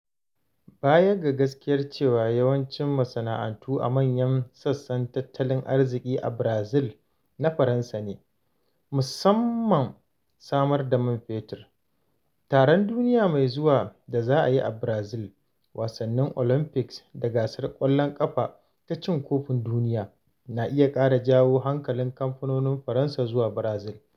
Baya ga gaskiyar cewa yawancin masana'antu a manyan sassan tattalin arziƙi a Barazil na Faransa ne (musamman samar da man fetur), taron duniya mai zuwa da za ayi a Brazil (Wasannin Olympics da Gasar Ƙwallon Ƙafa ta Cin Kofin Duniya) na iya ƙara jawo hankalin kamfanonin Faransa zuwa Barazil.